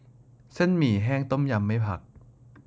เส้นหมี่แห้งต้มยำไม่ผัก